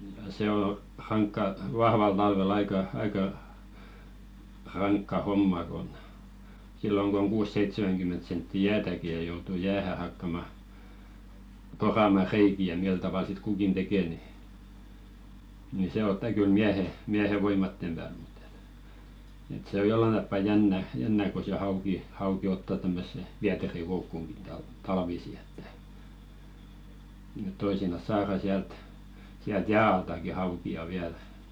ja se on rankka vahvalla talvella aika aika rankka homma kun silloin kun on kuusi-seitsemänkymmentä senttiä jäätäkin ja joutuu jäähän hakkamaan poramaan reikiä ja millä tavalla sitten kukin tekee niin niin se ottaa kyllä miehen miehen voimien pälle mutta että että se on jollakin tapaa jännä jännä kun se hauki hauki ottaa tämmöiseen vieterikoukkuunkin - talvisin että että toisinaan saadaan sieltä sieltä jään altakin haukia vielä